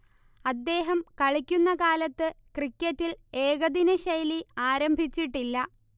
അദ്ദേഹം കളിക്കുന്ന കാലത്ത് ക്രിക്കറ്റിൽ ഏകദിനശൈലി ആരംഭിച്ചിട്ടില്ല